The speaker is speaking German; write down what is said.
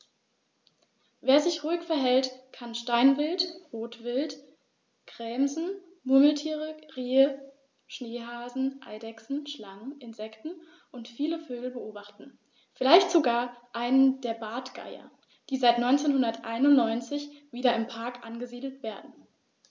Wer sich ruhig verhält, kann Steinwild, Rotwild, Gämsen, Murmeltiere, Rehe, Schneehasen, Eidechsen, Schlangen, Insekten und viele Vögel beobachten, vielleicht sogar einen der Bartgeier, die seit 1991 wieder im Park angesiedelt werden.